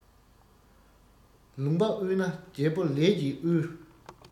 ལུང པ དབུལ ན རྒྱལ པོ ལས ཀྱིས དབུལ